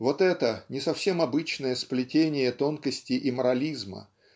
Вот это не совсем обычное сплетение тонкости и морализма